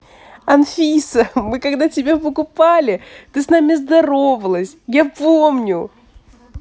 анфиса мы когда тебя покупали ты с нами здоровалась я помню